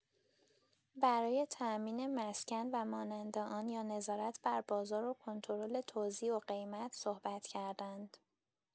برای تامین مسکن و مانند آن یا نظارت بر بازار و کنترل توزیع و قیمت صحبت کردند.